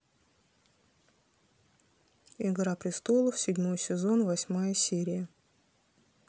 игра престолов седьмой сезон восьмая серия